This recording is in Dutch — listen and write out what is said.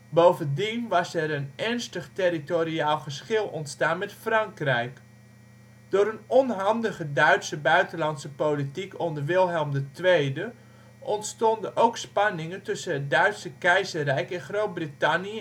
Bovendien was er een ernstig territoriaal geschil ontstaan met Frankrijk. Door een onhandige Duitse buitenlandse politiek onder Wilhelm II ontstonden ook spanningen tussen het Duitse Keizerrijk en Groot-Brittannië